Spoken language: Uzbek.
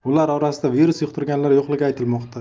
ular orasida virus yuqtirganlar yo'qligi aytilmoqda